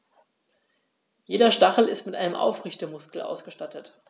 Jeder Stachel ist mit einem Aufrichtemuskel ausgestattet.